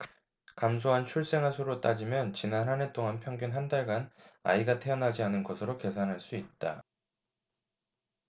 감소한 출생아 수로 따지면 지난 한 해 동안 평균 한 달간 아이가 태어나지 않은 것으로 계산할 수 있다